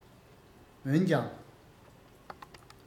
འོན ཀྱང